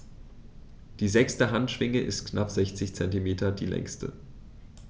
Die sechste Handschwinge ist mit knapp 60 cm die längste.